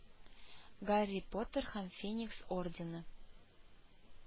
Гарри Поттер һәм Феникс ордены